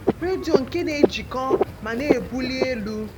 Redio nke na-ejikọ ma na-ebuli elu